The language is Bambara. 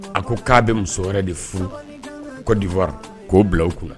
A ko k'a bɛ muso wɛrɛ de furu ko diwa k'o bila kun la